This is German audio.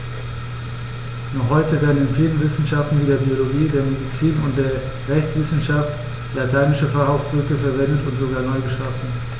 Noch heute werden in vielen Wissenschaften wie der Biologie, der Medizin und der Rechtswissenschaft lateinische Fachausdrücke verwendet und sogar neu geschaffen.